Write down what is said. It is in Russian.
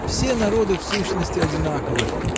все народы в сущности одинаковы